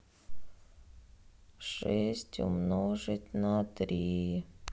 шесть умножить на три